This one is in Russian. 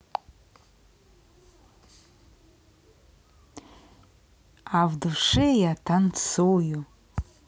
а в душе я танцую